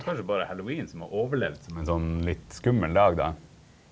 kanskje det bare er halloween som har overlevd som en sånn litt skummel dag da.